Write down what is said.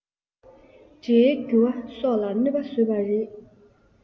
སྒྲའི འགྱུར བ སོགས ལ གནོད པ བཟོས པ རེད